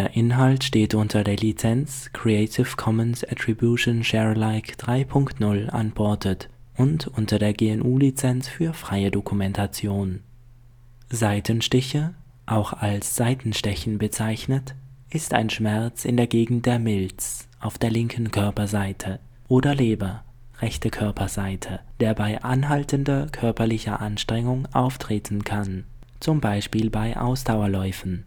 Inhalt steht unter der Lizenz Creative Commons Attribution Share Alike 3 Punkt 0 Unported und unter der GNU Lizenz für freie Dokumentation. Dieser Artikel oder nachfolgende Abschnitt ist nicht hinreichend mit Belegen (beispielsweise Einzelnachweisen) ausgestattet. Die fraglichen Angaben werden daher möglicherweise demnächst entfernt. Bitte hilf der Wikipedia, indem du die Angaben recherchierst und gute Belege einfügst. Seitenstiche, auch als Seitenstechen bezeichnet, ist ein Schmerz in der Gegend der Milz (auf der linken Körperseite) oder Leber (rechte Körperseite), der bei anhaltender körperlicher Anstrengung auftreten kann, z. B. bei Ausdauerläufen